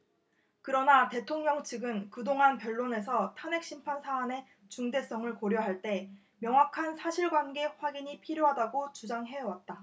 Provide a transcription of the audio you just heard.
그러나 대통령 측은 그동안 변론에서 탄핵심판 사안의 중대성을 고려할 때 명확한 사실관계 확인이 필요하다고 주장해왔다